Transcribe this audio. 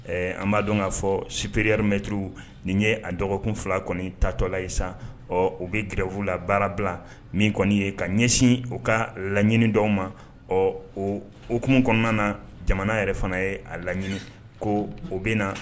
Ɛɛ an b'a dɔn k'a fɔ sipererimeturu nin ye a dɔgɔkun fila kɔni tatɔ la ye sisan ɔ u bɛ gɛrɛf la baara bila min kɔni ye ka ɲɛsin o u ka laɲini dɔw ma ɔ o okumu kɔnɔna na jamana yɛrɛ fana ye a laɲini ko o bɛ na